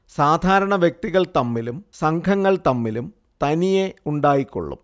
ധാരണ വ്യക്തികൾ തമ്മിലും സംഘങ്ങൾ തമ്മിലും തനിയേ ഉണ്ടായിക്കൊള്ളും